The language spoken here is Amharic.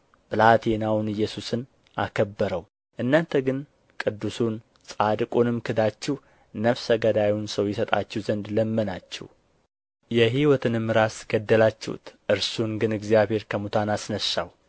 ብላቴናውን ኢየሱስን አከበረው እናንተ ግን ቅዱሱን ጻድቁንም ክዳችሁ ነፍሰ ገዳዩን ሰው ይሰጣችሁ ዘንድ ለመናችሁ የሕይወትንም ራስ ገደላችሁት እርሱን ግን እግዚአብሔር ከሙታን አስነሣው